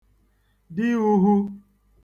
diūhū